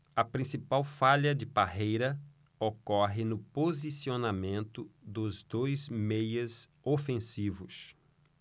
a principal falha de parreira ocorre no posicionamento dos dois meias ofensivos